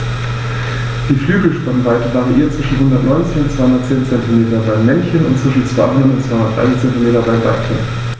Die Flügelspannweite variiert zwischen 190 und 210 cm beim Männchen und zwischen 200 und 230 cm beim Weibchen.